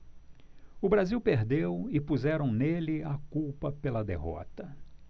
o brasil perdeu e puseram nele a culpa pela derrota